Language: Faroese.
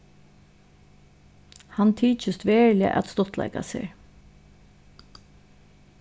hann tykist veruliga at stuttleika sær